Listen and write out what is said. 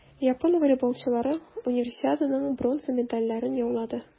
Япон волейболчылары Универсиаданың бронза медальләрен яулады.